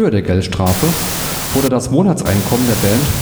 der Geldstrafe wurde das Monatseinkommen der Band